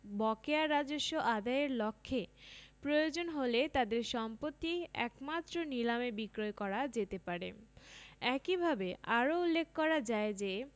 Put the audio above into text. বকেয়া রাজস্ব আদাযের লক্ষে প্রয়োজন হলে তাদের সম্পত্তি একমাত্র নিলামে বিক্রয় করা যেতে পারে একইভাবে আরো উল্লেখ করা যায় যে